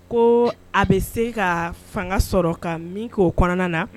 Ko a bɛ se ka fanga sɔrɔ ka min k' oo kɔnɔna na